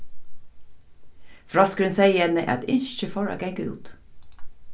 froskurin segði henni at ynskið fór at ganga út